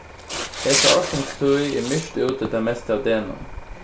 hesa ársins tíð er myrkt úti tað mesta av degnum